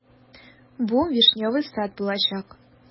Бу "Вишневый сад" булачак.